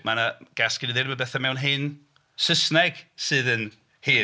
Mae 'na... gas gen i ddeud, ma' 'na bethau mewn hen Saesneg sydd yn hŷn.